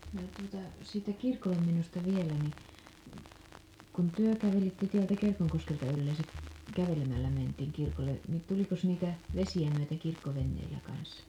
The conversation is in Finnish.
no tuota siitä kirkolle menosta vielä niin kun te kävelitte täältä Kerkonkoskelta yleensä kävelemällä mentiin kirkolle niin tulikos niitä vesiä myöten kirkkoveneillä kanssa